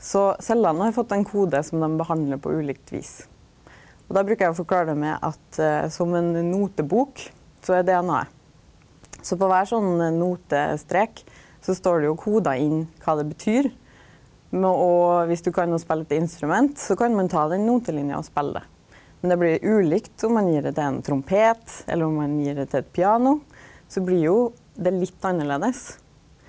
så cellene har fått ein kode som dei behandlar på ulikt vis, og då bruker eg å forklara det med at som ei notebok så er DNA-et, så på kvar sånn notestrek så står det jo koda inn kva det betyr og viss du kan å spela eit instrument, så kan ein ta den notelinja og spela det, men det blir ulikt om ein gir det til ein trompet, eller om ein gir det til eit piano så blir jo det litt annleis.